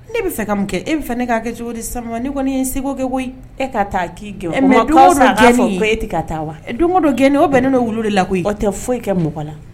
Ne b bɛa fɛ ka mun kɛ e bɛ fɛ ne k'a kɛ cogo di sa ne kɔni ye segu kɛ koyi e ka taa k'i gɛn mɔgɔ e tɛ ka taa wa don dɔ gɛn o bɛn ne'olu de la koyi ka tɛ foyi e kɛ mɔgɔ la